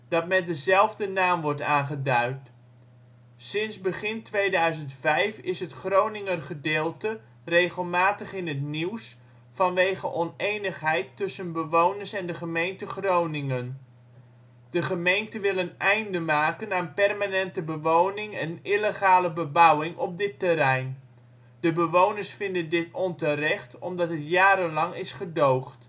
dat met dezelfde naam wordt aangeduid. Sinds begin 2005 is het Groninger gedeelte regelmatig in het nieuws vanwege onenigheid tussen bewoners en de gemeente Groningen. De gemeente wil een einde maken aan permanente bewoning en illegale bebouwing op dit terrein, de bewoners vinden dit onterecht omdat het jarenlang is gedoogd